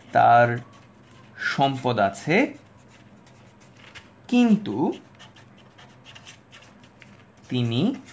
তার সম্পদ আছে কিন্তু তিনি